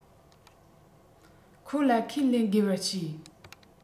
ཁོ ལ ཁས ལེན དགོས པར བྱས